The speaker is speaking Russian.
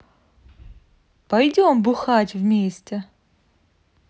пойдем бухать вместе